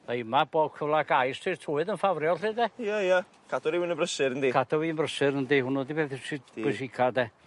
'Ddai yma bob cyfle a gai os 'di'r tywydd yn ffafriol 'lly 'de? Ia ia. Cadw rywun yn brysur yndi? Cadw fi'n brysur yndi hwnnw 'di bwysica 'de?